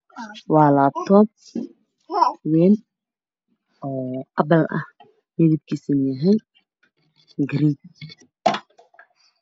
Waa laptop iphone midabkiisu yahay qaxwi saaran kartoon